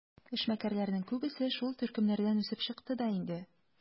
Эшмәкәрләрнең күбесе шул төркемнәрдән үсеп чыкты да инде.